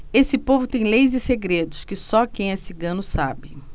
esse povo tem leis e segredos que só quem é cigano sabe